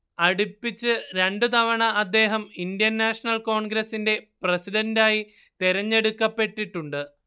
അടുപ്പിച്ച് രണ്ടു തവണ അദ്ദേഹം ഇന്ത്യൻ നാഷണൽ കോൺഗ്രസിന്റെ പ്രസിഡന്റായി തെരഞ്ഞെടുക്കപ്പെട്ടിട്ടുണ്ട്